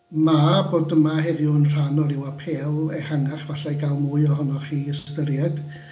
Ma' bod yma heddiw yn rhan o ryw apêl ehangach falle i gael mwy ohonoch chi i ystyried.